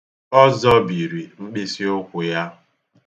Ọ zọbiri mkpisiụkwụ ya